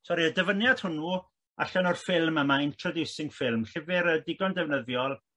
sori y dyfyniad hwnnw allan o'r ffilm yma Introducing Film llyfyr y digon defnyddiol